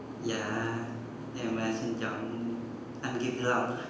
dạ em xin chọn anh kim tử long ạ